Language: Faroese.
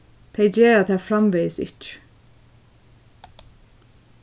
tey gera tað framvegis ikki